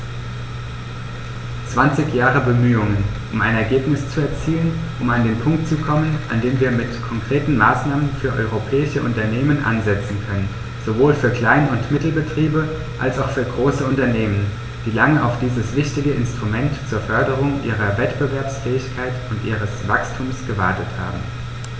Zwanzig Jahre Bemühungen, um ein Ergebnis zu erzielen, um an den Punkt zu kommen, an dem wir mit konkreten Maßnahmen für europäische Unternehmen ansetzen können, sowohl für Klein- und Mittelbetriebe als auch für große Unternehmen, die lange auf dieses wichtige Instrument zur Förderung ihrer Wettbewerbsfähigkeit und ihres Wachstums gewartet haben.